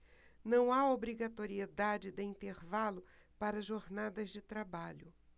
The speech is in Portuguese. não há obrigatoriedade de intervalo para jornadas de trabalho